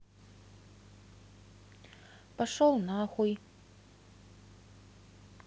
пошел на хуй